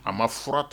A ma fura ta